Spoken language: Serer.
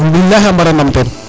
bilahi a mbara ndam ten